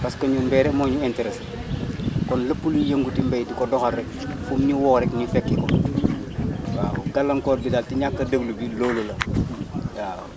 pace que ñun béy rek moo ñu interessé kon lépp luy yëngatu mbay di ko doxal rek fu mu ñu woo rek ñu fekki ko waaw gàllankoor bi daal si ñàkk a déglu bi loolu la waaw